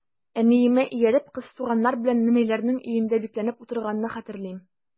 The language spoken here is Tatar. Әниемә ияреп, кыз туганнар белән нәнәйләрнең өендә бикләнеп утырганны хәтерлим.